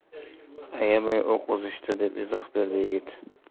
ayamay o'q uzishdi deb izoh berdi yigit